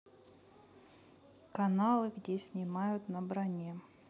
каналы где снимают на броне